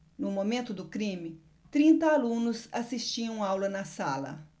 no momento do crime trinta alunos assistiam aula na sala